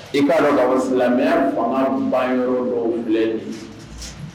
I k'a dɔn la silamɛya fanga bayɔrɔ dɔ filɛ